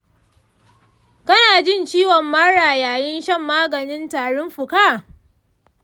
kana jin ciwon mara yayin shan maganin tarin fuka?